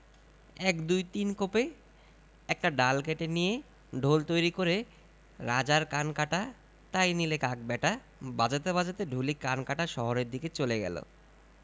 এক দুই তিন কোপে একটা ডাল কেটে নিয়ে ঢোল তৈরি করে ‘রাজার কান কাটা তাই নিলে কাক ব্যাটা বাজাতে বাজাতে ঢুলি কানকাটা শহরের দিকে চলে গেল